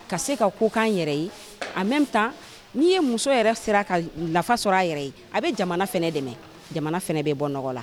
Ka se ka ko kan yɛrɛ ye en même temps Ni ye muso yɛrɛ sera ka nafa sɔrɔ a yɛrɛ ye. A bɛ jamana fɛnɛ dɛmɛ jamana fɛnɛ bɛ bɔ nɔgɔ la.